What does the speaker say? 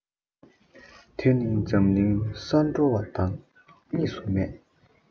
འདི ནི འཛམ གླིང གས འགྲོ བ དང གཉིས སུ མེད